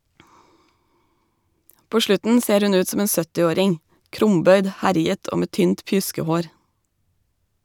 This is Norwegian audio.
På slutten ser hun ut som en 70-åring, krumbøyd, herjet og med tynt pjuskehår.